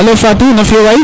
alo fatou nam fiyo waay